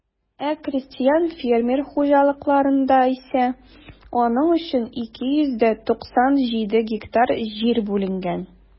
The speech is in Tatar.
Ә крестьян-фермер хуҗалыкларында исә аның өчен 297 гектар җир бүленгән.